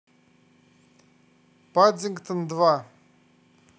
паддингтон два